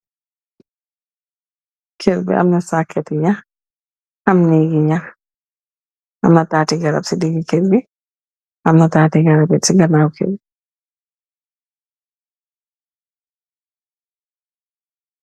Kèr gi am na saketti ñax, nègii ñax, am ay tatti garam ci digih kèr gi am tatti garam ci ganaw kèr gi.